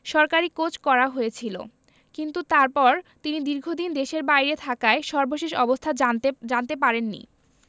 সরকারী কোচ করা হয়েছিল কিন্তু তারপর তিনি দীর্ঘদিন দেশের বাইরে থাকায় সর্বশেষ অবস্থা জানতে জানতে পারেননি